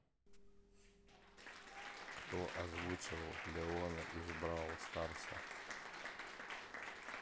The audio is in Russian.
кто озвучивал леона из бравл старса